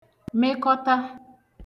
mekọta